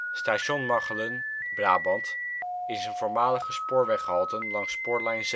Station Machelen (Brabant) is een voormalige spoorweghalte langs spoorlijn